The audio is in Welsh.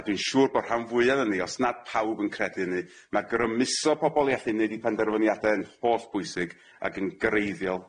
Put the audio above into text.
A dwi'n siŵr bo rhan fwya 'ona ni os nad pawb yn credu ynny ma' grymuso pobol i allu neud 'i penderfyniade yn holl bwysig ac yn greiddiol.